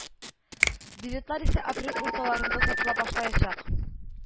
Билетлар исә апрель урталарында сатыла башлаячак